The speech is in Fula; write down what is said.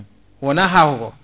wona haahoko